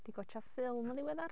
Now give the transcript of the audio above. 'Di gwatsiad ffilm yn ddiweddar?